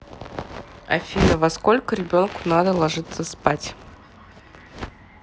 афина во сколько ребенку надо ложиться спать